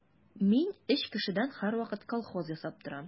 Мин өч кешедән һәрвакыт колхоз ясап торам.